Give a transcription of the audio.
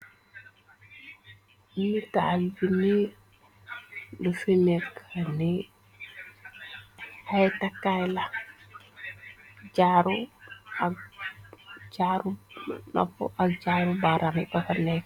Nitaal bi ni lu fi nekka ni xaytakaay la jaru ak jaru nopu ak jaaru barami bafa ne.